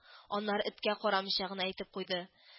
Аннары эткә карамыйча гына әйтеп куйды: